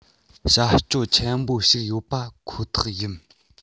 བྱ སྤྱོད ཆེན པོ ཞིག ཡོད པ ཁོ ཐག ཡིན